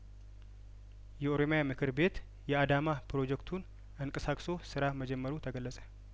የኦሮሚያምክር ቤት የአዳማ ፕሮጀክቱን አንቀሳቅሶ ስራ መጀመሩ ተገለጸ